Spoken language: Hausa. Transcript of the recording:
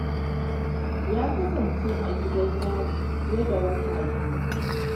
Ya kasance a gidan Yari fiye da wata biyu.